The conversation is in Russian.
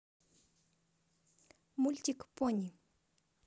мультик пони